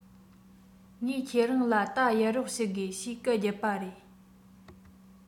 ངས ཁྱེད རང ལ རྟ གཡར རོགས ཞུ དགོས ཞེས སྐད རྒྱབ པ རེད